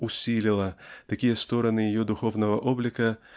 усилила такие стороны ее духовного облика